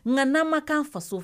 Nka n'an ma k kanan faso fɛ